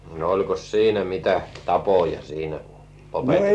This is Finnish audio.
no olikos siinä mitä tapoja siinä -